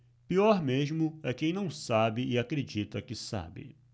pior mesmo é quem não sabe e acredita que sabe